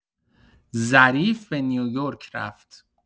ظریف به نیویورک رفت.